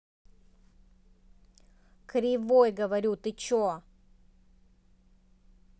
кривой говорю ты че